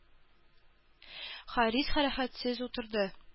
Харис хәрәкәтсез утырды.